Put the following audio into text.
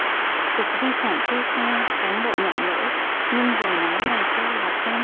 cục di sản kêu ca cán bộ nhận lỗi nhưng rồi nói vài câu là xong